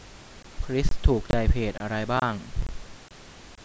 คริสถูกใจเพจอะไรบ้าง